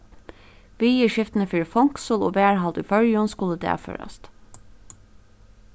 viðurskiftini fyri fongsul og varðhald í føroyum skulu dagførast